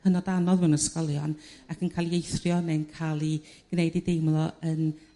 hynod anodd mewn ysgolion ac yn ca'l 'u eithrio neu'n ca'l eu gwneud i deimlo yn